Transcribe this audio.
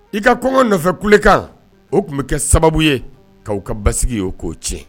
I ka kɔngɔ nɔfɛ kule kan o tun bɛ kɛ sababu ye k'aw ka basi ye o k'o cɛ